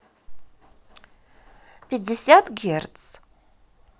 пятьдесят герц